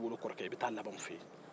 i bɛ t'a laban i wolokɔrɔkɛ fɛ yen